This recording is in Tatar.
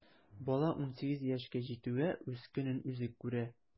Бала унсигез яшькә җитүгә үз көнен үзе күрә.